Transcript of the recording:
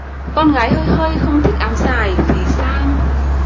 con gái hơi hơi không thích áo dài vì sao